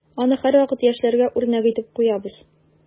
Аны һәрвакыт яшьләргә үрнәк итеп куябыз.